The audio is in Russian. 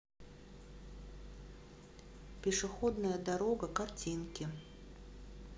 пешеходная дорога картинки